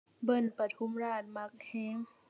เบิล ปทุมราช มักแรง